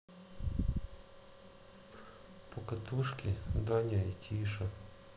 покатушки даня и тиша